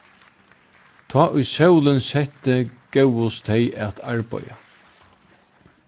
tá ið sólin setti góvust tey at arbeiða